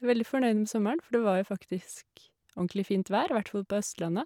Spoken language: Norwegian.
Veldig fornøyd med sommeren, for det var jo faktisk ordentlig fint vær, hvert fall på Østlandet.